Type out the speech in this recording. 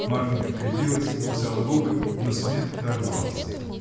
Марфинька крепилась, кусала губы, но смех прорвался.